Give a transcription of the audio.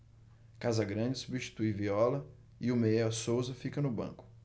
casagrande substitui viola e o meia souza fica no banco